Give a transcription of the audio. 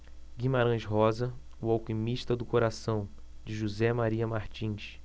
guimarães rosa o alquimista do coração de josé maria martins